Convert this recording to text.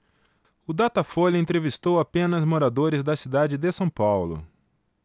o datafolha entrevistou apenas moradores da cidade de são paulo